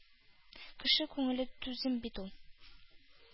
Кеше күңеле түзем бит ул.